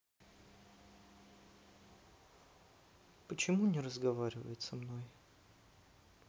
почему не разговаривает со мной